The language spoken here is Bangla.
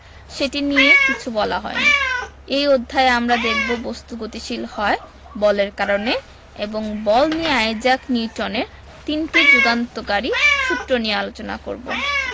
সেটি নিয়ে কিছু বলা হয়নি এই অধ্যায়ে আমরা দেখব বস্তু গতিশীল হয় বলের কারণে এবং বল নিয়ে আইজাক নিউটনের তিনটি যুগান্তকারী সূত্র নিয়ে আলোচনা করব